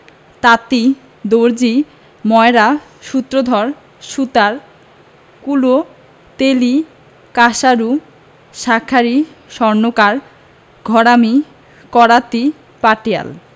তাঁতি দর্জি ময়রা সূত্রধর সুতার কলু তেলী কাঁসারু শাঁখারি স্বর্ণকার ঘরামি করাতি পাটিয়াল